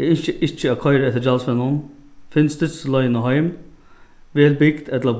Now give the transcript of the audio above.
eg ynski ikki at koyra eftir gjaldsvegnum finn stytstu leiðina heim vel bygd ella